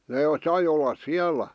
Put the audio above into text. ne sai olla siellä